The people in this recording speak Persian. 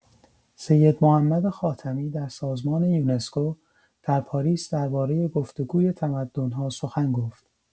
سید محمد خاتمی در سازمان یونسکو در پاریس درباره گفتگوی تمدن‌ها سخن گفت.